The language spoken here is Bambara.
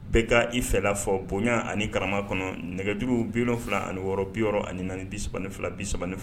Bɛ kaa i fɛla fɔɔ boɲa ani karama kɔnɔ nɛgɛjuru 76 64 32 3